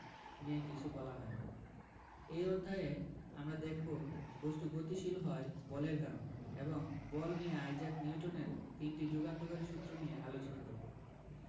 নিয়ে কিছু বলা হয়নি এই অধ্যায়ে আমরা দেখব বস্তু গতিশীল হয় বলের কারণে এবং বল নিয়ে আইজাক নিউটনের তিনটি যুগান্তকারী সূত্র নিয়ে আলোচনা করব